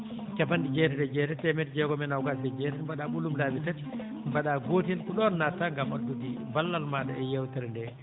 cappanɗe jeetati e jeetati teemedde jeegom e noogaas mbaɗaa ɓolum laabi tati mbaɗaa gootel ko ɗoon naatataa ngam addude ballal maaɗa e yeewtere ndee